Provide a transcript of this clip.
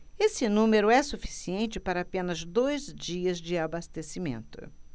esse número é suficiente para apenas dois dias de abastecimento